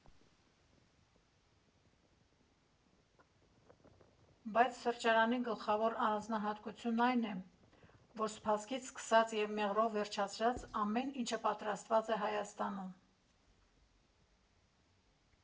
Բայց սրճարանի գլխավոր առանձնահատկությունն այն է, որ սպասքից սկսած և մեղրով վերջացրած, ամեն ինչը պատրաստված է Հայաստանում։